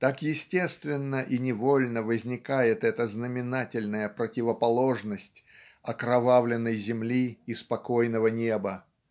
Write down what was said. так естественно и невольно возникает эта знаменательная противоположность окровавленной земли и спокойного неба.